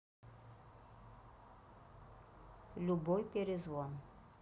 любой перезвон